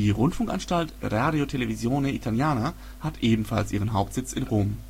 Rundfunkanstalt Radiotelevisione Italiana hat ebenfalls ihren Hauptsitz in Rom